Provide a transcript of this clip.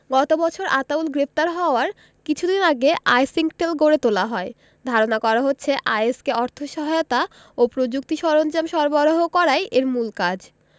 গত বছর আতাউল গ্রেপ্তার হওয়ার কিছুদিন আগে আইসিংকটেল গড়ে তোলা হয় ধারণা করা হচ্ছে আইএস কে অর্থ সহায়তা ও প্রযুক্তি সরঞ্জাম সরবরাহ করাই এর মূল কাজ